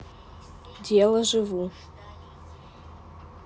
дело живу